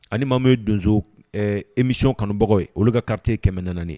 Ani ma mun ye donso ɛɛ émission kanunbagaw ye olu ka carte ye 400 nani ye